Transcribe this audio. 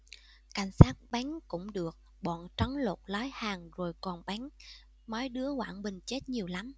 cảnh sát bắn cũng được bọn trấn lột lấy hàng rồi còn bắn mấy đứa quảng bình chết nhiều lắm